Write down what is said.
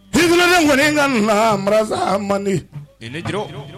Den ne kɔni ka na man